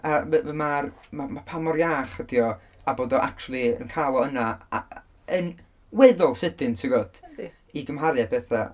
A m- m- ma'r, ma', ma' pan mor iach ydy o a bod o actually yn cael o yna a- yn weddol sydyn ti'n gwybod... Yndi... i gymharu â pethau...